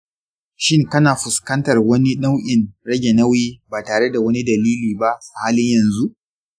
shin kana fuskantar wani nau'in rage nauyi ba tare da wani dalili ba a halin yanzu?